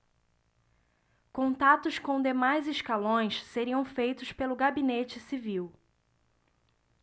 contatos com demais escalões seriam feitos pelo gabinete civil